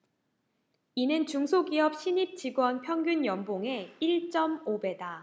이는 중소기업 신입 직원 평균 연봉의 일 쩜 오 배다